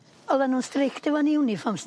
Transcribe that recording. Odda nw'n strict efo'n iwnifforms...